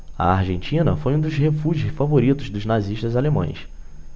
a argentina foi um dos refúgios favoritos dos nazistas alemães